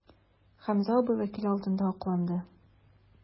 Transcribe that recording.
Хәмзә абый вәкил алдында акланды.